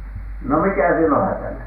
no mikä siellä on hätänä?